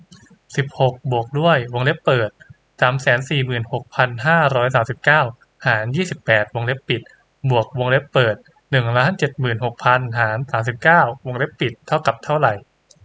สิบหกบวกด้วยวงเล็บเปิดสามแสนสี่หมื่นหกพันห้าร้อยสามสิบเก้าหารยี่สิบแปดวงเล็บปิดบวกวงเล็บเปิดหนึ่งล้านเจ็ดหมื่นหกพันหารสามสิบเก้าวงเล็บปิดเท่ากับเท่าไร